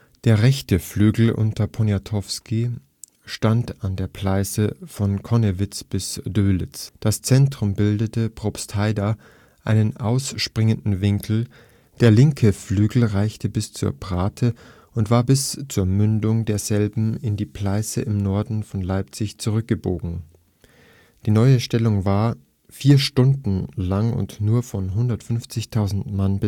Der rechte Flügel unter Poniatowski stand an der Pleiße von Connewitz bis Dölitz, das Zentrum bildete bei Probstheida einen ausspringenden Winkel, der linke Flügel reichte bis zur Parthe und war bis zur Mündung derselben in die Pleiße im Norden von Leipzig zurückgebogen. Die neue Stellung war – vier Stunden lang und nur von 150.000 Mann besetzt